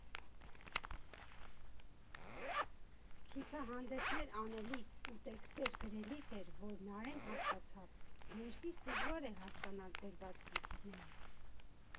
Ցուցահանդեսներ անելիս ու տեքստեր գրելիս էր , որ Նարէն հասկացավ՝ ներսից դժվար է հասկանալ դրված խնդիրները։